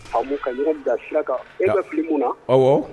A' ka yɔrɔ da siraka e ka fili mun na